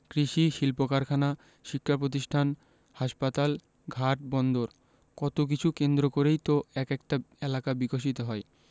কৃষি শিল্পকারখানা শিক্ষাপ্রতিষ্ঠান হাসপাতাল ঘাট বন্দর কত কিছু কেন্দ্র করেই তো এক একটা এলাকা বিকশিত হয়